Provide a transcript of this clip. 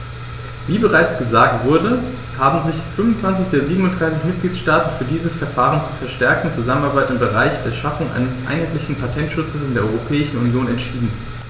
Wie bereits gesagt wurde, haben sich 25 der 27 Mitgliedstaaten für dieses Verfahren zur verstärkten Zusammenarbeit im Bereich der Schaffung eines einheitlichen Patentschutzes in der Europäischen Union entschieden.